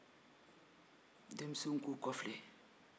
denmisɛnw k'u kɔfilɛ